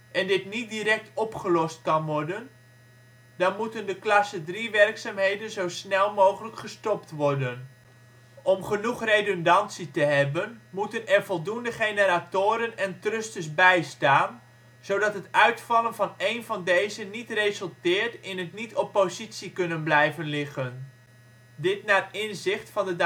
en dit niet direct opgelost kan worden, dan moeten de klasse 3-werkzaamheden zo snel mogelijk gestopt worden. Om genoeg redundantie te hebben, moeten er voldoende generatoren en thrusters bij staan, zodat het uitvallen van één van deze niet resulteert in het niet op positie kunnen blijven liggen. Dit naar inzicht van de